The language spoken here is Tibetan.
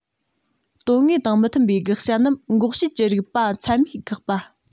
དོན དངོས དང མི མཐུན པའི དགག བྱ རྣམས འགོག བྱེད ཀྱི རིགས པ ཚད མས བཀག པ